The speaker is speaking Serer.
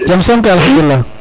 jam som kay Alkhadoulila